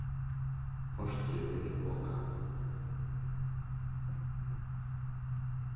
portrið er lokað